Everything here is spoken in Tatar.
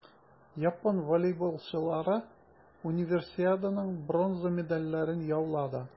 Япон волейболчылары Универсиаданың бронза медальләрен яулады.